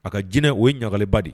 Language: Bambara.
A ka jinɛ o ye ɲagalen ba de ye.